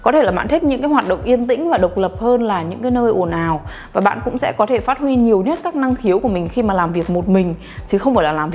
có thể là bạn thích những hoạt động yên tĩnh và độc lập hơn là những cái nơi ồn ào và bạn cũng sẽ có thể phát huy nhiều nhất các năng khiếu của mình khi mà làm việc một mình chứ không phải là làm việc nhóm